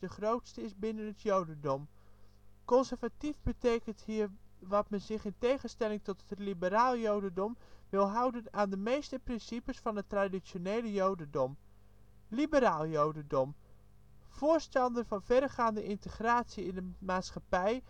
grootste is binnen het jodendom. Conservatief betekent hier dat men zich, in tegenstelling tot het liberaal jodendom, wil houden aan de meeste principes van het traditionele jodendom. Liberaal jodendom – voorstander van verregaande integratie in de maatschappij